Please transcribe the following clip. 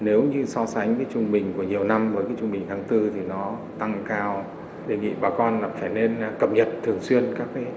nếu như so sánh với trung bình của nhiều năm với mức trung bình tháng tư thì nó tăng cao đề nghị bà con gặp phải nên là cập nhật thường xuyên các cái